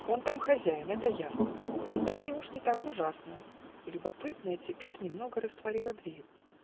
Он там хозяин, это ясно: И Тане уж не так ужасно, И, любопытная, теперь Немного растворила дверь.